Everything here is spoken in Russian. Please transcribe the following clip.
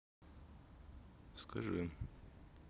скажи